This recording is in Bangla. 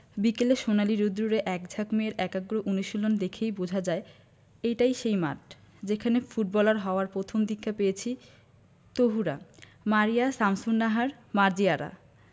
বিকেলে সোনালি রোদ্দুরে একঝাঁক মেয়ের একাগ্র অনুশীলন দেখেই বোঝা যায় এটাই সেই মাঠ যেখানে ফুটবলার হওয়ার প্রথম দীক্ষা পেয়েছি তহুরা মারিয়া শামসুন্নাহার মার্জিয়ারা